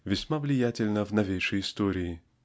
весьма влиятельно в новейшей истории.